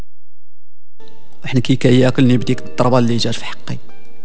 وينك يا كليب تكبر باللي حقي